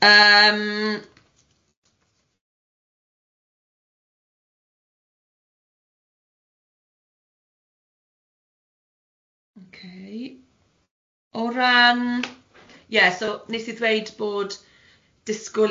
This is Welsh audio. Yym ok o ran ie so wnes i ddweud bod disgwyl i'r